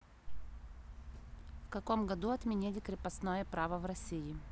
в каком году отменили крепостное право в россии